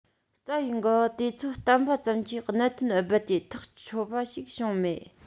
རྩ བའི འགལ བ དེ ཚོ བསྟན པ ཙམ གྱིས གནད དོན རྦད དེ ཐག ཆོད པ ཞིག བྱུང མེད